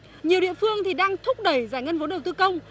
nhiều địa phương thì đang thúc đẩy giải ngân vốn đầu tư công